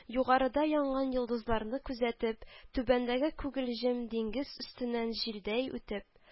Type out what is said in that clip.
Югарыда янган йолдызларны күзәтеп, түбәндәге күгелҗем диңгез өстеннән җилдәй үтеп